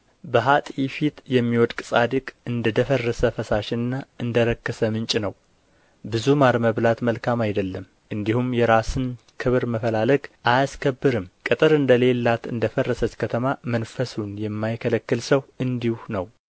በኀጥእ ፊት የሚወድቅ ጻድቅ እንደደፈረሰ ፈሳሽና እንደ ረከሰ ምንጭ ነው ብዙ ማር መብላት መልካም አይደለም እንዲሁም የራስን ክብር መፈላለግ አያስከብርም ቅጥር እንደሌላት እንደ ፈረሰች ከተማ መንፈሱን የማይከለክል ሰው እንዲሁ ነው